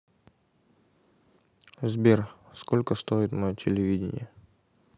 сбер сколько стоит мое телевидение